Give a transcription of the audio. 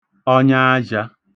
ọnyaazhā